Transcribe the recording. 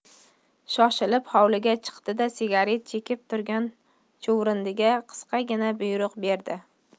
shoshilib hovliga chiqdi da sigaret chekib turgan chuvrindiga qisqagina buyruq berdi